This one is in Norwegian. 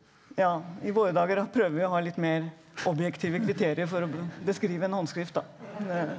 ja i våre dager da prøver vi å ha litt mer objektive kriterier for å beskrive en håndskrift da det.